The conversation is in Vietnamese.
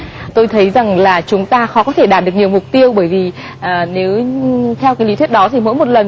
tôi thấy rằng là chúng ta khó có thể đạt được nhiều mục tiêu bởi vì nếu như theo cái lý thuyết đó thì mỗi một lần